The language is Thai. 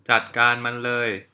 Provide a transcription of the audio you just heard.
จัดการมันเลย